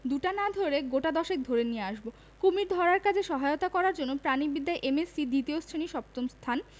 দুটা না ধরে গোটা দশেক ধরে নিয়ে আসব কুমীর ধরার কাজে সহায়তা করার জন্যে প্রাণীবিদ্যায় এম এস সি দ্বিতীয় শ্রেণী সপ্তম স্থান